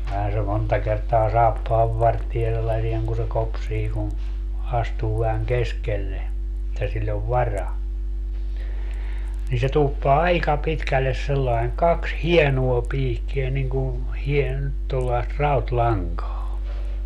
kyllähän se monta kertaa saappaanvarteen sellaisen kun se kopsii kun astuu vähän keskelle että sillä on vara niin se tuuppaa aika pitkälle sillä lailla kaksi hienoa piikkiä niin kuin - tuollaista rautalankaa